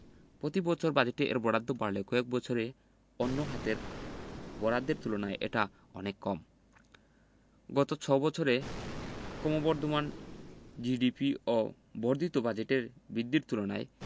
প্রতিবছর বাজেটে এর বরাদ্দ বাড়লেও কয়েক বছরে অন্য খাতের বরাদ্দের তুলনায় এটা অনেক কম গত ছয় বছরে ক্রমবর্ধমান জিডিপি ও বর্ধিত বাজেটের বৃদ্ধির তুলনায়